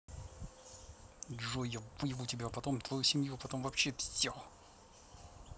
джой я выебу тебя потом твою семью а потом вообще всех